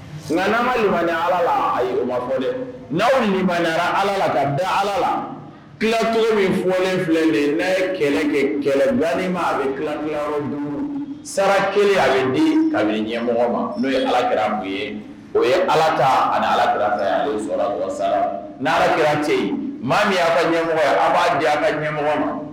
Sina ma nin ma ala la ayi o ma fɔ dɛ n'aw ni mayarara ala la ka bɛ ala la kicogo min fɔlen filɛ min ne ye kɛlɛ kɛ kɛlɛ naani ma a bɛki sara kelen a bɛ ka bɛ ɲɛmɔgɔ ma n'o ye alakirabu ye o ye ala ta a alakira'ki cɛ maa min y'a ka ɲɛmɔgɔ ye a b'a di a ka ɲɛmɔgɔ ma